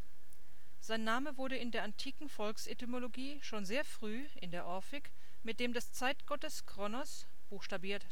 Sein Name wurde in der antiken Volksetymologie schon sehr früh (in der Orphik) mit dem des Zeitgottes Chronos (Χρόνος